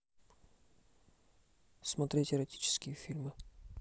смотреть эротические фильмы